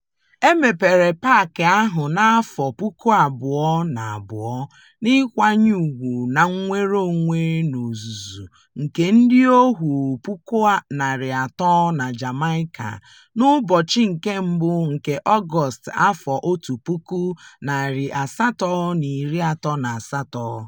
E mepere paakị ahụ na 2002 n'ịkwanye ùgwù na "nnwere onwe n'ozuzu" nke ndị óhù 300,000 na Jamaica n'ụbọchị 1 nke Ọgọọstụ,1838.